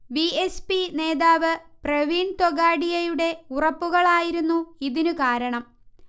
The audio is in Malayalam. വി. എച്ച്. പി. നേതാവ് പ്രവീൺ തൊഗാഡിയയുടെ ഉറപ്പുകളായിരുന്നു ഇതിന് കാരണം